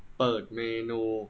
เปิดเมนู